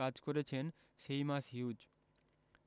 কাজ করেছেন Seamus huge